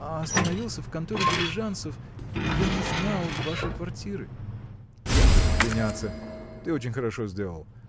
а остановился в конторе дилижансов. Я не знал вашей квартиры. – В чем тут извиняться? Ты очень хорошо сделал.